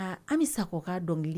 An bɛ sagokɔ ka dɔnkili